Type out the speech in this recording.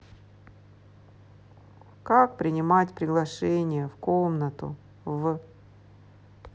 как принимать приглашение в комнату в